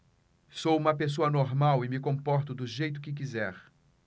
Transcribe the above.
sou homossexual e me comporto do jeito que quiser